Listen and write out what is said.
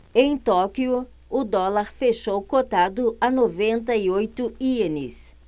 em tóquio o dólar fechou cotado a noventa e oito ienes